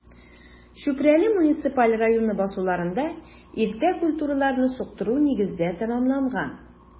Чүпрәле муниципаль районы басуларында иртә культураларны суктыру нигездә тәмамланган.